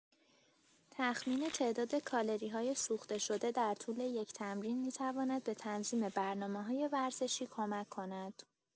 تخمین تعداد کالری‌های سوخته‌شده در طول یک تمرین می‌تواند به تنظیم برنامه‌‌های ورزشی کمک کند.